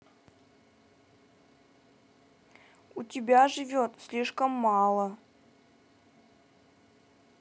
у тебя живет слишком мало